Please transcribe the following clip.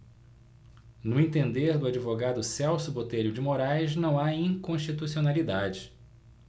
no entender do advogado celso botelho de moraes não há inconstitucionalidade